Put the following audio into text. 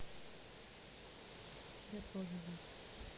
я тоже рад